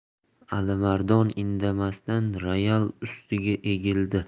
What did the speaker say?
alimardon indamasdan royal ustiga egildi